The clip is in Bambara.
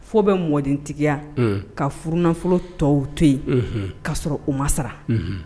F'ɔ bɛ mɔdentigiya, un, ka furunafolo tɔw to yen, Unhun, ka sɔrɔ u ma sara, Unhun.